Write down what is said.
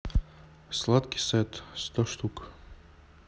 сладкий сет сто штук